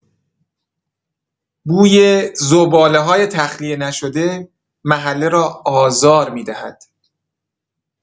بوی زباله‌های تخلیه‌نشده، محله را آزار می‌دهد.